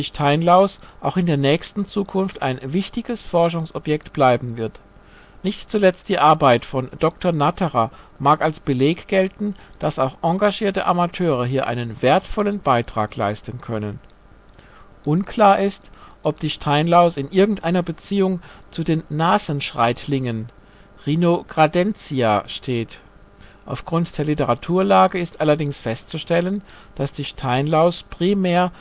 Steinlaus auch in der nächsten Zukunft ein wichtiges Forschungsobjekt bleiben wird. Nicht zuletzt die Arbeit von Dr. Natterer mag als Beleg gelten, dass auch engagierte Amateure hier einen wertvollen Beitrag leisten können. Unklar ist, ob die Steinlaus in irgendeiner Beziehung zu den Nasenschreitlingen (Rhinogradentia) steht. Aufgrund der Literaturlage ist allerdings festzustellen, dass die Steinlaus primär